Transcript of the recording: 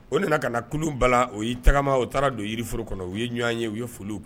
O nana ka na kulu bala o y ye tagama o taara don yiriforo kɔnɔ u ye ɲɔgɔn ye u ye foli